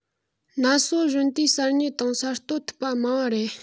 ན སོ གཞོན དུས གསར རྙེད དང གསར གཏོད ཐུབ པ མང བ རེད